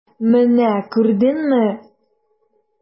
Менә күрдеңме!